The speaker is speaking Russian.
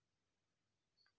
море синее